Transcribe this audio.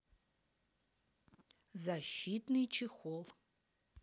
защитный чехол